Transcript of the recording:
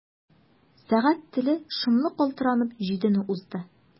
Сәгать теле шомлы калтыранып җидене узды.